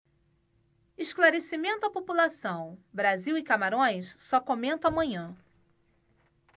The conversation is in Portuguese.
esclarecimento à população brasil e camarões só comento amanhã